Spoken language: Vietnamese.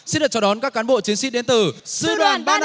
được chào đón các cán bộ chiến sĩ đến từ sư đoàn ba